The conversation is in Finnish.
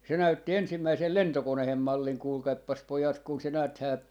se näytti ensimmäisen lentokoneen mallin kuulkaapas pojat kun se näethän